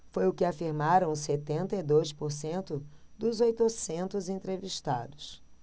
foi o que afirmaram sessenta e dois por cento dos oitocentos entrevistados